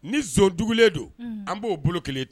Ni zan dugulen don an b'o bolo kelen ten